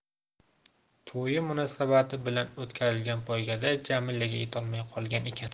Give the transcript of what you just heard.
to'yi munosabati bilan o'tkazilgan poygada jamilaga yetolmay qolgan ekan